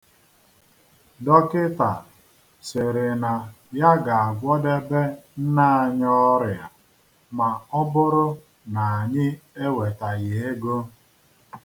Dọkịta sịrị na ya ga-agwọdebe nna anyị ọrịa ma ọ bụrụ na anyị ewetaghị ego.